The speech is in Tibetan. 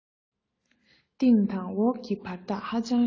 སྟེང དང འོག གི བར ཐག ཧ ཅང རིང